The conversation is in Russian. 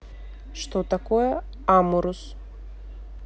что такое амурус